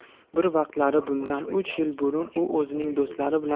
bir vaqtlari bundan uch yil burun u o'zining do'stlari bilan